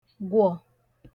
gwọ̀